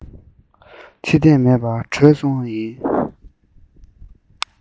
ཕྱིར ལྟས མེད པར བྲོས སོང བ ཡིན